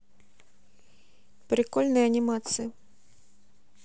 прикольные анимации